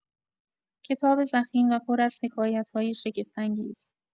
کتاب ضخیم و پر از حکایت‌های شگفت‌انگیز